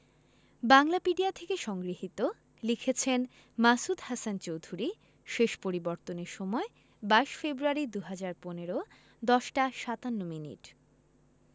বাংলাপিডিয়া থেকে সংগৃহীত লিখেছেন মাসুদ হাসান চৌধুরী শেষ পরিবর্তনের সময় ২২ ফেব্রুয়ারি ২০১৫ ১০ টা ৫৭ মিনিট